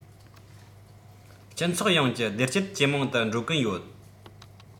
སྤྱི ཚོགས ཡོངས ཀྱི བདེ སྐྱིད ཇེ མང དུ འགྲོ གི ཡོད